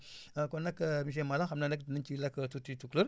kon nag monsieur Malang xam naa nag dinañ ci làkk tuuti tukulëër